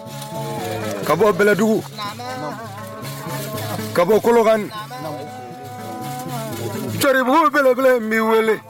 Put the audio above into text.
Ka bɔ bɛlɛdugu, naamun, ka bɔ Kolokani, naamun, Cɔribugu belebele n b'i weele.